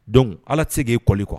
Donc ala tɛ se k'i kɔli kɔ